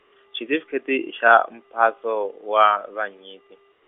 Setifikheti e ya mpaso, wa vanyiki.